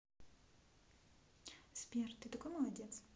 сбер ты такой молодец